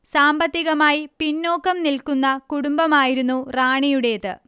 സാമ്പത്തികമായി പിന്നോക്കം നിൽക്കുന്ന കുടുംബമായിരുന്നു റാണിയുടേത്